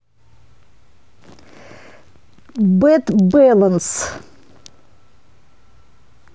bad balance